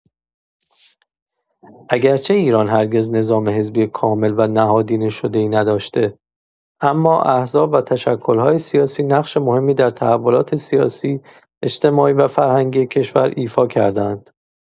اگرچه ایران هرگز نظام حزبی کامل و نهادینه‌شده‌ای نداشته، اما احزاب و تشکل‌های سیاسی نقش مهمی در تحولات سیاسی، اجتماعی و فرهنگی کشور ایفا کرده‌اند.